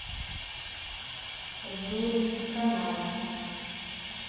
журин канал